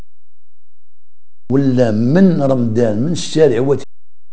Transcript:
ولا من رمضان من الشارع